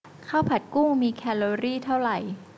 ข้าวผัดกุ้งมีแคลอรี่เท่าไหร่